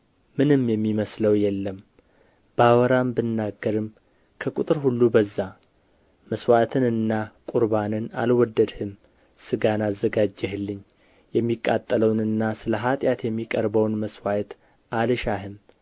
ምንም የሚመስለው የለም ባወራም ብናገርም ከቍጥር ሁሉ በዛ መሥዋዕትንና ቍርባንን አልወደድህም ሥጋን አዘጋጀህልኝ የሚቃጠለውንና ስለ ኃጢአት የሚቀርበውን መሥዋዕት አልሻህም